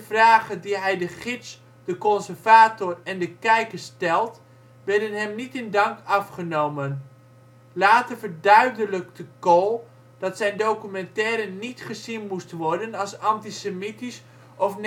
vragen die hij de gids, de conservator en de kijker stelt werden hem niet in dank afgenomen. Later verduidelijkte Cole dat zijn documentaire niet gezien moest worden als antisemitisch of